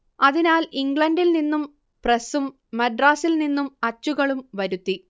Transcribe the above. അതിനാൽ ഇംഗ്ലണ്ടിൽ നിന്നും പ്രസ്സും മദ്രാസിൽ നിന്നും അച്ചുകളും വരുത്തി